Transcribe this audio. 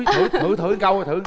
thử thử thử thử câu đi